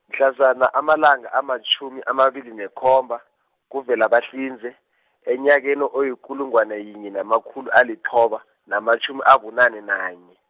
mhlazana amalanga amatjhumi amabili nekhomba, kuVelabahlinze, enyakeni oyikulungwane yinye namakhulu alithoba, namatjhumi abunane nanye.